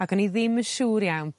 ac o'n i ddim yn siŵr iawn